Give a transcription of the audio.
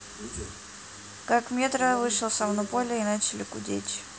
как metro вышел сам на поле и начали гудеть